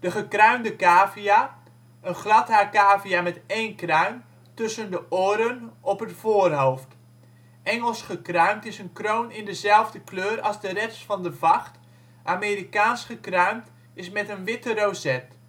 gekruinde cavia: een gladhaar cavia met 1 kruin, tussen de oren op het voorhoofd. Engels gekruind is een kroon in dezelfde kleur als de rest van de vacht, Amerikaans gekruind is met een witte rozet